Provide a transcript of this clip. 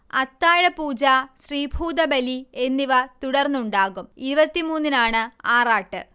അത്താഴപൂജ, ശ്രീഭൂതബലി എന്നിവ തുടർന്നുണ്ടാകും ഇരുവത്തിമൂന്നിനാണ് ആറാട്ട്